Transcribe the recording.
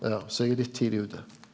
ja så eg er litt tidleg ute.